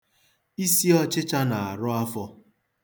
Isi ọchịcha na-arụ afọ.